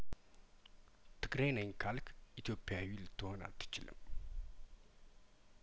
ትግሬ ነኝ ካልክ ኢትዮፕያዊ ልትሆን አትችልም